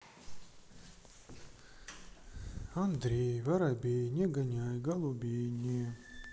андрей воробей не гоняй голубей не